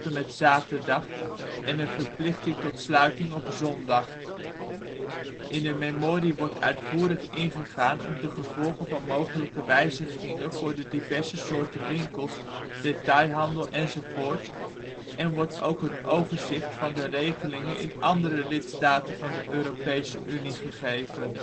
met zaterdag en een verplichting tot sluiting op zondag. In de memorie wordt uitvoerig ingegaan op de gevolgen van mogelijke wijzigingen voor de diverse soorten winkels, detailhandel enzovoorts en wordt ook een overzicht van de regeling in andere lidstaten van de Europese Unie gegeven